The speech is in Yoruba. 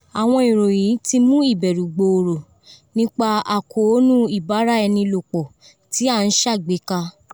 Awọn irohin ti mu ibẹru gbooro nipa akoonu ibara-ẹni-lopọ ti a n ṣagbeka